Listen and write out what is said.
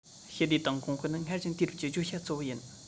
ཞི བདེ དང གོང སྤེལ ནི སྔར བཞིན དུས རབས ཀྱི བརྗོད བྱ གཙོ བོ ཡིན